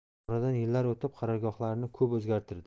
oradan yillar o'tib qarorgohlarini ko'p o'zgartirdi